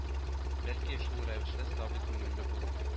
Бәлки, шул рәвешле сабый күңелле булып